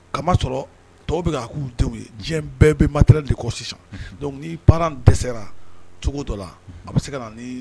Ka sɔrɔ bɛ tɛ diɲɛ bɛɛ bɛ matɛ de kɔ sisan ni pan dɛsɛra cogo dɔ la a bɛ se ka na